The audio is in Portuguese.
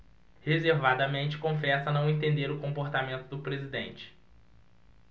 reservadamente confessa não entender o comportamento do presidente